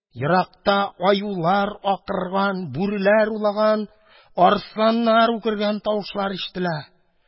Еракта аюлар акырган, бүреләр улаган, арысланнар үкергән тавышлар ишетелә.